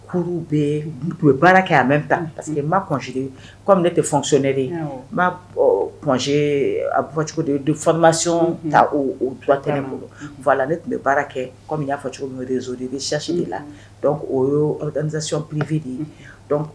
Bɛ baara kɛ parce que mase ne tɛɛ de yesecogo de ye fayɔn ta dut bolo la ne tun bɛ baara kɛ kɔmi y'a fɔcogo de ye de bɛ sisi de la osiyɔnfi de ye